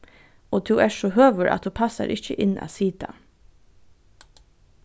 og tú ert so høgur at tú passar ikki inn at sita